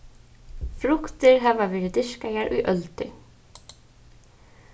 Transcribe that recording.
fruktir hava verið dyrkaðar í øldir